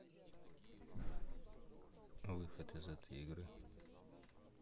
выход из этой игры